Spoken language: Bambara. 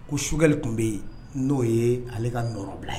Ko sugɛli tun bɛ yen n'o ye ale ka nɔ bila ye